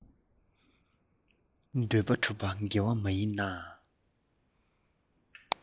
འདོད པ སྒྲུབ པ དགེ བ མ ཡིན ན